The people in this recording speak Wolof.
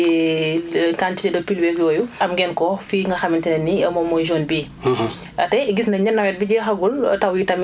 yaa ngi ko doon wax sànq li ngeen doon xaar ci quantité de pluie yeeg yooyu am ngeen ko fii nga xamante ne nii mooy zone bii